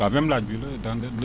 waaw même laaj bi la daa ne